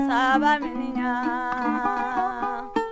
sabaminiyan